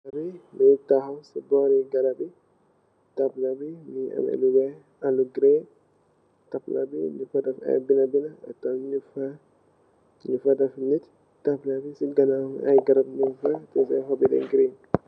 Li mungi tahaw ci boori garab yi. Taabla bi mungi ameh lu weeh ak lu gërè. Taabla bi nung fa deff ay binda-binda, nung fa deff nit. taabla bi ci ganaaw ay garab nung fa.